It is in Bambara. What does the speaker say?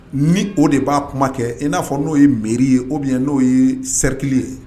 Ni o de b'a kuma kɛ i n'a fɔ n'o ye miiriri ye o bɛ n'o ye seriki ye